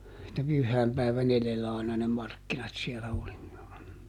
että pyhäinpäivän edellä aina ne markkinat siellä oli